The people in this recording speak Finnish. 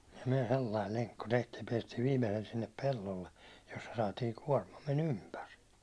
ja me sellainen lenkku tehtiin ja päästiin viimeiselle sinne pellolle jossa saatiin kuormamme ympäri